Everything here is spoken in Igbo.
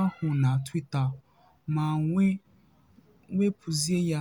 ahụ na Twita ma wee wepụzie ya.